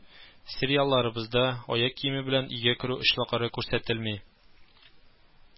Сериалларыбызда аяк киеме белән өйгә керү очраклары күрсәтелми